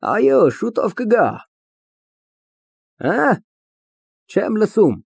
Այո, շուտով կգա։ Հը՞մ, չեմ լսում։